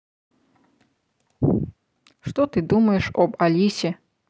что ты думаешь об алисе